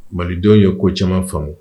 Malidenw ye ko caman faamu